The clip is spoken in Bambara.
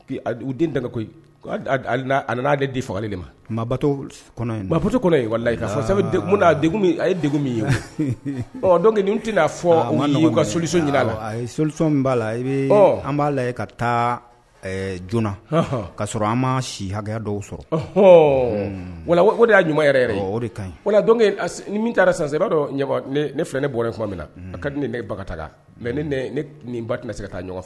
Den koyi n'aale di faga de ma ma bato kɔnɔto kɔnɔ wala layi a ye ye don tɛna'a fɔ ka soli ɲinin la so b'a la i an b'a la ka taa joona ka sɔrɔ an ma si hakɛya dɔw sɔrɔ hɔ o de'a ɲuman yɛrɛ kan ni min taara san sɛbaa dɔn ne filɛ ne bɔra in tuma min na a ka di ne ne e ba kata mɛ ne ne nin ba tɛna se ka taa ɲɔgɔn fɛ